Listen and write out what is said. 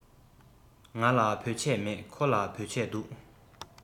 ང ལ བོད ཆས མེད ཁོ ལ བོད ཆས འདུག